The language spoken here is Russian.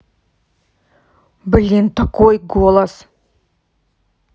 блин такой голос